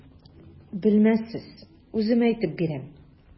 Белмәссез, үзем әйтеп бирәм.